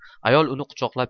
ayol uni quchoqlab